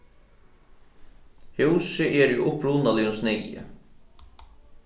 húsið er í upprunaligum sniði